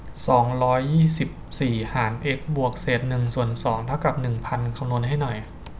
สองร้อยยี่สิบสี่หารเอ็กซ์บวกเศษหนึ่งส่วนสองเท่ากับหนึ่งพันคำนวณให้หน่อย